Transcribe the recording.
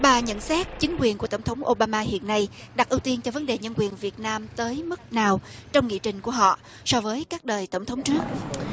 bà nhận xét chính quyền của tổng thống ô ba ma hiện nay đặt ưu tiên cho vấn đề nhân quyền việt nam tới mức nào trong nghị trình của họ so với các đời tổng thống trước